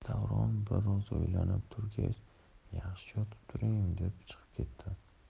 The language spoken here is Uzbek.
davron bir oz o'ylanib turgach yaxshi yotib turing deb chiqib ketdi